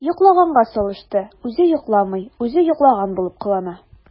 “йоклаганга салышты” – үзе йокламый, үзе йоклаган булып кылана.